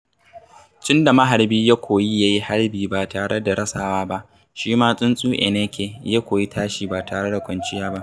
Tun da maharbi ya koyi ya yi harbi ba tare da rasawa ba, shi ma tsuntsu Eneke ya koyi tashi ba tare da kwanciya ba.